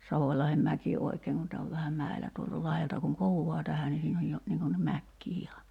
Savolahdenmäki oikein kun tämä on vähän mäellä tuolta lahdelta kun kohoaa tähän niin siinä on jo niin kuin niin mäkeä ihan